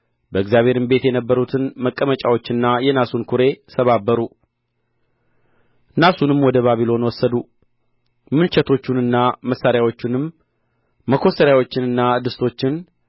በእግዚአብሔርም ቤት የነበሩትን መቀመጫዎችና የናሱን ኵሬ ሰባበሩ ናሱንም ወደ ባቢሎን ወሰዱ ምንቸቶቹንና መጫሪያዎችንም መኰስተሪያዎችንና ድስቶችን